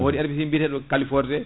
wodi herbicide biyeteɗo *